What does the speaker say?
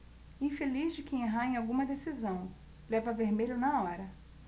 infeliz de quem errar em alguma decisão leva vermelho na hora